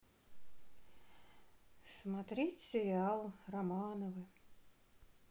смотреть сериал романовы